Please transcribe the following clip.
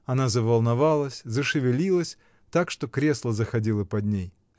Она заволновалась, зашевелилась, так что кресло заходило под ней.